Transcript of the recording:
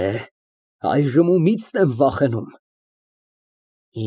Էհ, այժմ ումից եմ վախենում։